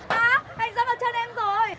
á anh dẫm vào chân em rồi